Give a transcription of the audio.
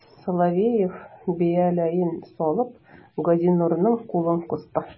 Соловеев, бияләен салып, Газинурның кулын кысты.